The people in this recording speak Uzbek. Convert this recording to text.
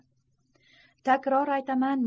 takror aytaman